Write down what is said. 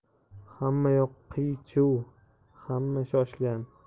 hammayoq qiy chuv hamma shoshgan